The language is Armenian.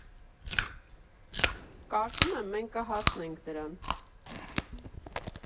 Կարծում եմ՝ մենք կհասնենք դրան։